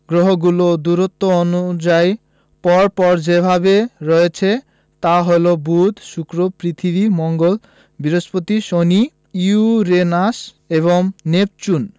গ্রহগুলো দূরত্ব অনুযায়ী পর পর যেভাবে রয়েছে তা হলো বুধ শুক্র পৃথিবী মঙ্গল বৃহস্পতি শনি ইউরেনাস এবং নেপচুন